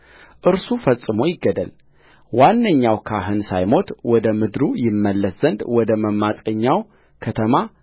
እርሱ ፈጽሞ ይገደልዋነኛው ካህን ሳይሞት ወደ ምድሩ ይመለስ ዘንድ ወደ መማፀኛው ከተማ